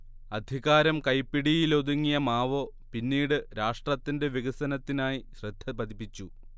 അധികാരം കൈപ്പിടിയിലൊതുങ്ങിയ മാവോ പിന്നീട് രാഷ്ട്രത്തിന്റെ വികസനത്തിനായി ശ്രദ്ധ പതിപ്പിച്ചു